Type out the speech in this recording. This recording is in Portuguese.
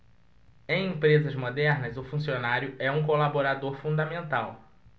em empresas modernas o funcionário é um colaborador fundamental